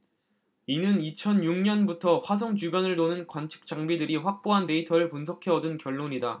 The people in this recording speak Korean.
이는 이천 육 년부터 화성 주변을 도는 관측 장비들이 확보한 데이터를 분석해 얻은 결론이다